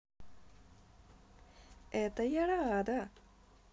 это я рада